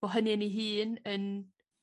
Bo' hynny yn 'i hun yn